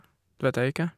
Det vet jeg ikke.